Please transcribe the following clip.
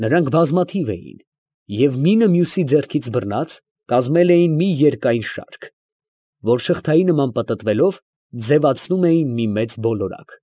Նրանք բազմաթիվ էին, և մինը մյուսի ձեռքից բռնած, կազմել էին մի երկայն շարք, որ շղթայի նման պտտվելով, ձևացնում էին մի մեծ բոլորակ։